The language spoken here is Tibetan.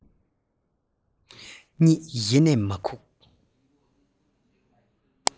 གཉིད ཡེ ནས མི ཁུག